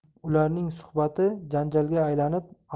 ularning suhbati janjalga aylanib